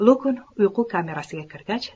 lukn uyqu kamerasiga kirgach